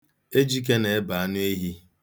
Ejike na-ebe anụ ehi.